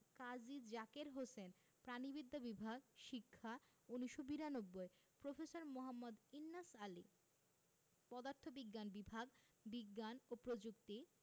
কাজী জাকের হোসেন প্রাণিবিদ্যা বিভাগ শিক্ষা ১৯৯২ প্রফেসর মোঃ ইন্নাস আলী পদার্থবিজ্ঞান বিভাগ বিজ্ঞান ও প্রযুক্তি